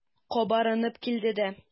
Кабарынып килде дә.